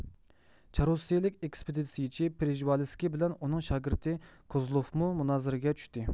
چاررۇسىيىلىك ئېكسپېدىتسىيىچى پېرژىۋالىسكىي بىلەن ئۇنىڭ شاگىرتى كوزلوفمۇنازىرىگە چۈشتى